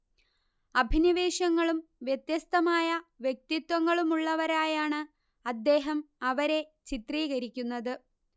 അഭിനിവേശങ്ങളും വ്യത്യസ്തമായ വ്യക്തിത്വങ്ങളും ഉള്ളവരായാണ് അദ്ദേഹം അവരെ ചിത്രീകരിക്കുന്നത്